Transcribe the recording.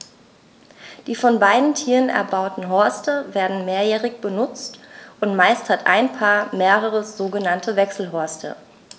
Die von beiden Tieren erbauten Horste werden mehrjährig benutzt, und meist hat ein Paar mehrere sogenannte Wechselhorste.